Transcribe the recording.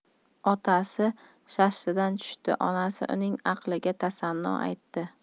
otasi shashtidan tushdi onasi uning aqliga tasanno aytdi